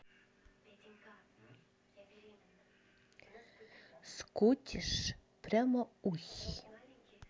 скотиш прямоухий